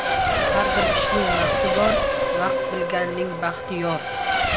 har bir ishning vaqti bor vaqt bilganning baxti yor